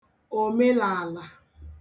òmelààlà